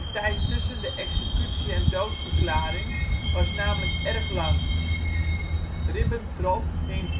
tijd tussen de executie en doodverklaring was namelijk erg lang. Ribbentrop hing